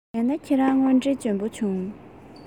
བྱས ན ཁྱེད རང དངོས འབྲེལ འཇོན པོ བྱུང